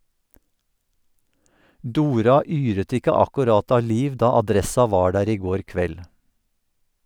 Dora yret ikke akkurat av liv da Adressa var der i går kveld.